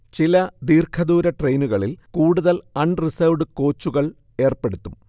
ചില ദീർഘദൂര ട്രെയിനുകളിൽ കൂടുതൽ അൺ റിസർവ്ഡ് കോച്ചുകൾ ഏർപ്പെടുത്തും